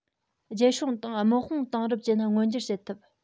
རྒྱལ སྲུང དང དམག དཔུང དེང རབས ཅན མངོན གྱུར བྱེད ཐུབ